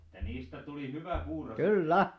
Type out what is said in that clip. että niistä tuli hyvä puuro sitten